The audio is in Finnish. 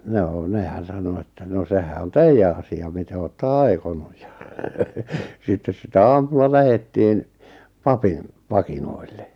no nehän sanoi että no sehän on teidän asia miten olette aikonut ja sitten sitä aamulla lähdettiin papin pakinoille